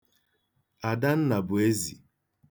Adanna bụ ezi.